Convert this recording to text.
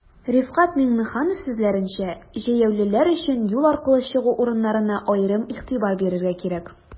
Рифкать Миңнеханов сүзләренчә, җәяүлеләр өчен юл аркылы чыгу урыннарына аерым игътибар бирергә кирәк.